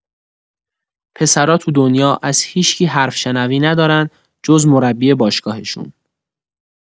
پسرا تو دنیا از هیشکی حرف‌شنوی ندارن جز مربی باشگاهشون؛